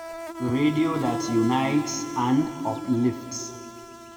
Radio that unites and uplifts